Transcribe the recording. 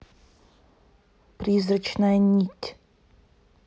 призрачная нить